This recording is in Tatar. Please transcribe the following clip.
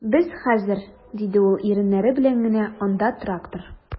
Без хәзер, - диде ул иреннәре белән генә, - анда трактор...